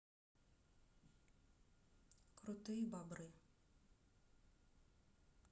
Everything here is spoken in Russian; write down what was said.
крутые бобры